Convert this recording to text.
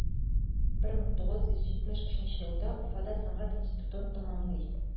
1973 елда уфада сәнгать институтын тәмамлый.